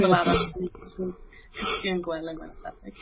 Fel arall 'sen ni jyst yn cysgu'n gwely mwy na thebyg.